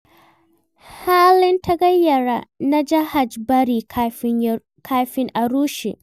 Halin tagayyara na "Jahaj Bari" kafin a rushe.